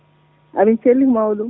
amin celli ko mawɗum